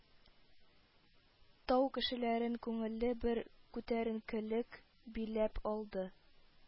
Тау кешеләрен күңелле бер күтәренкелек биләп алды